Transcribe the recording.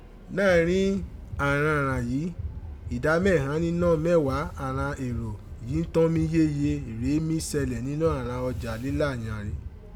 Náàárín àghan ghànyí, ìdá mẹ́ẹ̀hàn nínọ́ mẹ́ẹ̀gwá àghan èrò yìí tọ́n mi yéye rèé mí sẹlẹ̀ ni àghan ọjà lílá yẹ̀n rin.